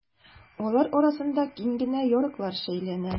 Алар арасында киң генә ярыклар шәйләнә.